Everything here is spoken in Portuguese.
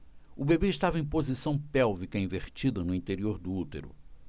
o bebê estava em posição pélvica invertida no interior do útero